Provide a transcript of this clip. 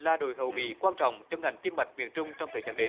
là đội hậu bị quan trọng cho ngành tim mạch miền trung trong thời gian đến